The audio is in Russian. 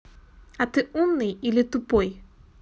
а ты умный или тупой